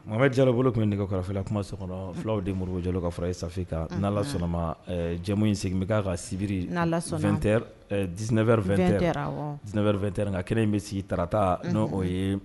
Mama jara bolo tun bɛ nɛgɛ karafela kuma so kɔnɔ fulaw de morijɛlo ka fara ye sanfɛfe kan n' sɔnna ma jɛmu in segin bɛ ka sibiri diinɛ wɛrɛ2 diina wɛrɛ2 tɛrɛn n ka kelen in bɛ sigi tata o ye